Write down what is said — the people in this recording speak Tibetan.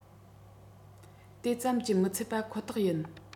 དེ ཙམ གྱིས མི ཚད པ ཁོ ཐག ཡིན